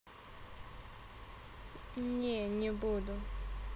не не буду